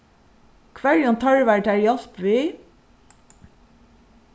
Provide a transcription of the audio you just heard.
hvørjum tørvar tær hjálp við